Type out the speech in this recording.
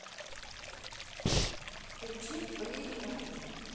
включи балерина